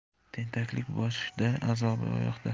tentaklik boshda azobi oyoqda